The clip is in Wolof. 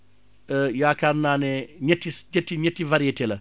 yaakaar naa ne ñetti status ñetti varités la